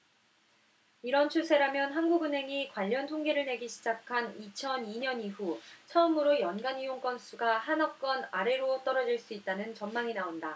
이런 추세라면 한국은행이 관련통계를 내기 시작한 이천 이 년 이후 처음으로 연간 이용 건수가 한 억건 아래로 떨어질 수 있다는 전망이 나온다